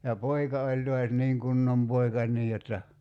ja poika oli taas niin kunnon poika niin jotta